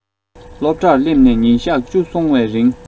སློབ གྲྭར སླེབས ནས ཉིན གཞག བཅུ སོང བའི རིང